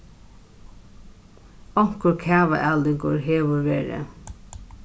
onkur kavaælingur hevur verið